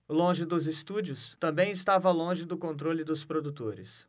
longe dos estúdios também estava longe do controle dos produtores